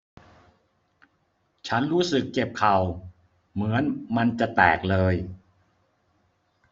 ฉันรู้สึกเจ็บเข่าเหมือนมันจะแตกเลย